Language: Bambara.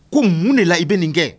Ko mun de la i be nin kɛ